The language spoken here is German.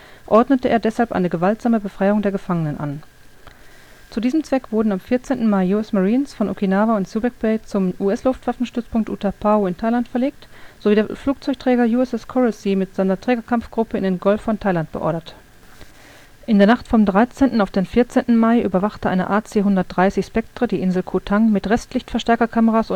gewaltsame Befreiung der Gefangenen an. Zu diesem Zweck wurden am 14. Mai US-Marines von Okinawa und Subic Bay zum US-Luftwaffenstützpunkt Utapao in Thailand verlegt sowie der Flugzeugträger USS Coral Sea mit seiner Trägerkampfgruppe in den Golf von Thailand beordert. In der Nacht vom 13. auf den 14. Mai überwachte eine AC-130 „ Spectre “die Insel Koh Tang mit Restlichtverstärkerkameras